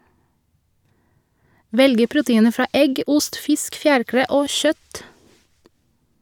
Velg proteiner fra egg, ost, fisk, fjærkre og kjøtt.